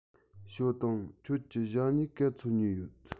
ཞའོ ཏུང ཁྱོད ཀྱིས ཞྭ སྨྱུག ག ཚོད ཉོས ཡོད